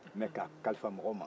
mɛ k'a kalifa mɔgɔ ma